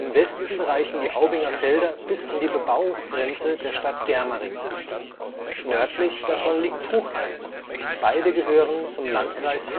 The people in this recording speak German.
Westen reichen die Aubinger Felder bis an die Bebauungsgrenze der Stadt Germering. Nördlich davon liegt Puchheim, beide gehören zum Landkreis